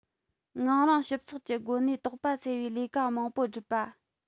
ངང རིང ཞིབ ཚགས ཀྱི སྒོ ནས དོགས པ སེལ བའི ལས ཀ མང པོ བསྒྲུབ པ